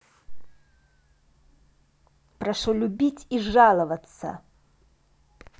прошу любить и жаловаться